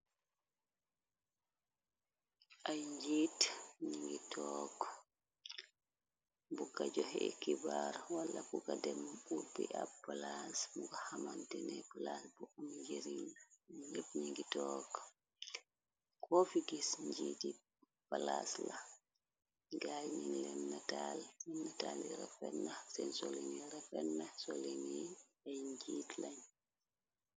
ay njiit ni ngi took bu ka joxe ekibaar wala kuka dem utbi ab palaas mugo xaman te neplaas bu omigerin ñepp ñi ngi took koofi gis njiiti palaas la gaay ñi enntaen nataal i ra fetna saen soleni rafetna ay njiit lañ